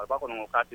A b'a kɔnɔ ko k' di